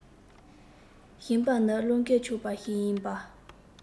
ཞིང པ ནི བློས འགེལ ཆོག པ ཞིག ཡིན པ